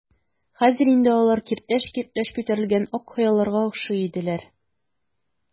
Хәзер инде алар киртләч-киртләч күтәрелгән ак кыяларга охшый иделәр.